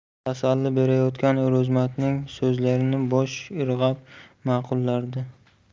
tasalli berayotgan o'rozmatning so'zlarini bosh irg'ab ma'qullar edi